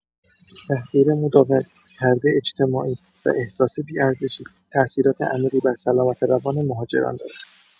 تحقیر مداوم، طرد اجتماعی و احساس بی‌ارزشی، تاثیرات عمیقی بر سلامت روان مهاجران دارد.